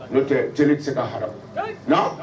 N'o tɛ jeli tɛ se ka hara na